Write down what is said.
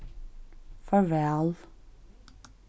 farvæl